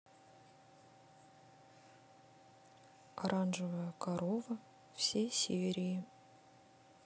оранжевая корова все серии